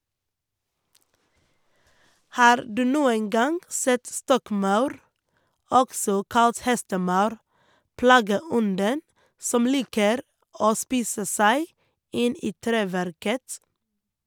Har du noen gang sett stokkmaur, også kalt hestemaur, plageånden som liker å spise seg inn i treverket?